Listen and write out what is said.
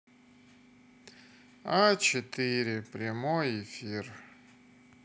а четыре прямой эфир